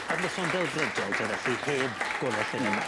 Ar noson ddelfrydol te felly heb gole lleuad... Hmm.